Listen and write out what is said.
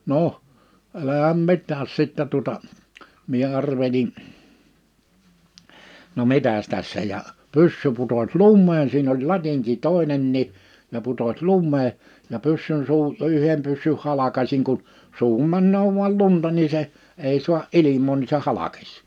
no älä mitään sitten tuota minä arvelin no mitäs tässä ja pyssy putosi lumeen siinä oli latinki toinenkin ja putosi lumeen ja pyssyn suu yhden pyssyn halkaisin kun suuhun menee vain lunta niin se ei saa ilmaa niin se halkesi